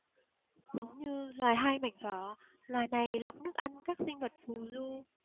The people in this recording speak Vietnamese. giống như loài hai mảnh vỏ loài này lọc nước ăn các sinh vật phù du